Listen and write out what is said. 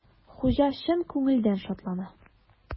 Хуҗа чын күңелдән шатлана.